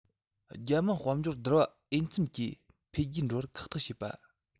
རྒྱལ དམངས དཔལ འབྱོར བསྡུར བ འོས འཚམ གྱིས འཕེལ རྒྱས འགྲོ བར ཁག ཐེག བྱེད པ